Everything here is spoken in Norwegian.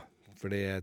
For det er...